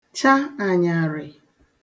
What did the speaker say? cha ànyàrị̀